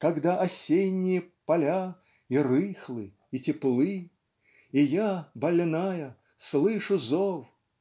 Когда осенние поля И рыхлы, и теплы. И я больная слышу зов